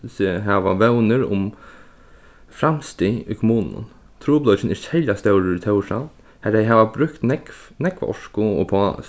seg hava vónir um framstig í kommununum trupulleikin er serliga stórur í tórshavn har tey hava brúkt nógv nógva orku upp á